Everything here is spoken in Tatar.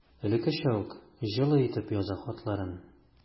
Элеккечә үк җылы итеп яза хатларын.